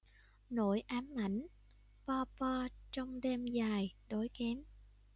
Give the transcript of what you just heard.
nỗi ám ảnh bo bo trong đêm dài đói kém